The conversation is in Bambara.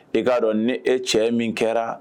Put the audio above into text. I k k'a dɔn ni e cɛ min kɛra?